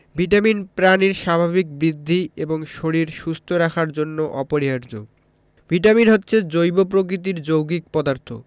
vitamin প্রাণীর স্বাভাবিক বৃদ্ধি এবং শরীর সুস্থ রাখার জন্য অপরিহার্য ভিটামিন হচ্ছে জৈব প্রকৃতির যৌগিক পদার্থ